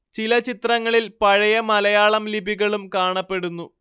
ചില ചിത്രങ്ങളിൽ പഴയ മലയാളം ലിപികളും കാണപ്പെടുന്നു